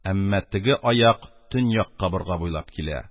Әмма теге аяк төньяк кабырга буйлап килә.